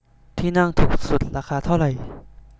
ที่นั่งถูกสุดราคาเท่าไหร่